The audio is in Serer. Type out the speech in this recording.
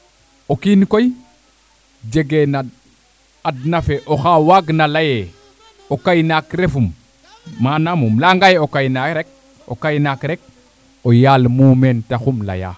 o kiin koy jege na adna fe oxa waag na leye o kay naak refum manam im leya nga ye o kay naak rek o kay naak rek o yaal mumeen taxu um leya